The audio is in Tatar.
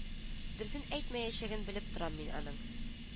Дөресен әйтмәячәген белеп торам мин аның